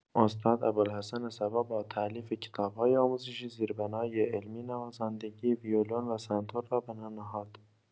استاد ابوالحسن صبا با تالیف کتاب‌های آموزشی، زیربنای علمی نوازندگی ویولن و سنتور را بنا نهاد.